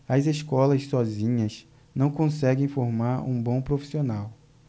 as escolas sozinhas não conseguem formar um bom profissional